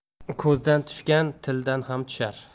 ko'zdan tushgan tildan ham tushar